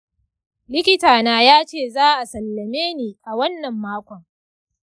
likitana ya ce za a sallame ni a wannan makon.